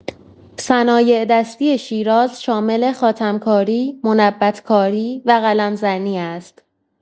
صنایع‌دستی شیراز شامل خاتم‌کاری، منبت‌کاری و قلم‌زنی است.